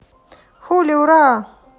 хули ура